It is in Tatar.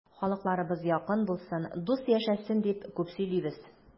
Халыкларыбыз якын булсын, дус яшәсен дип күп сөйлибез.